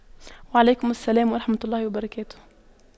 وعليك السلام ورحمة الله وبركاته